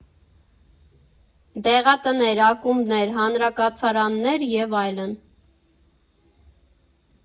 Դեղատներ, ակումբներ, հանրակացարաններ և այլն։